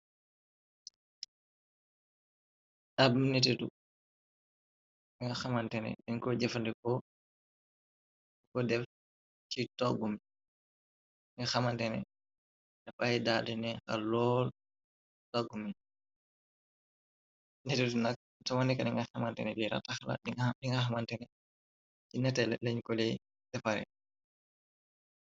Ab neteetu binga xamantene denko jëfandeko ko def ci toggu ni nga xamantene labay dardine nga lool toggu mi netetu nak t wandika ni nga xamantene di raxtaxla bi nga xamantene ci nete lañ koley defare.